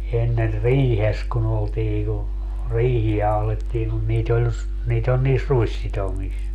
ennen riihessä kun oltiin kun riihiä ahdettiin kun niitä oli - niitä oli niissä ruissitomissa